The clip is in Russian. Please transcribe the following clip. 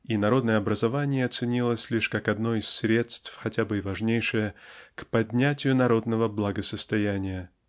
и народное образование ценилось лишь как одно из средств (хотя бы и важнейшее) к поднятию народного благосостояния